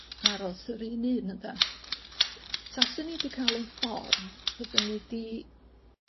aros yr un un ynde taswn i 'di ca'l 'yn ffordd fyddwn i 'di